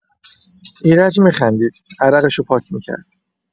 ایرج می‌خندید، عرقشو پاک می‌کرد.